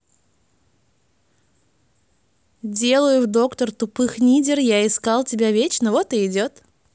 делаю в доктор тупых нидер я искал тебя вечно вот идет